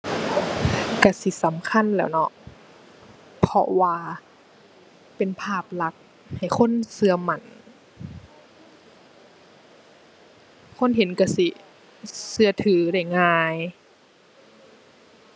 ก็สิสำคัญแหล้วเนาะ เพราะว่าเป็นภาพลักษณ์ให้คนก็มั่น คนเห็นก็สิก็ถือได้ง่าย